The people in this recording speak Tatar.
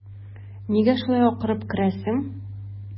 Нигә шулай акырып керәсең?